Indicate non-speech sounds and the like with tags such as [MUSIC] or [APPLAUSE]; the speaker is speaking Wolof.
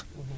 [HESITATION] [HESITATION]